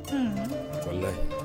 walayi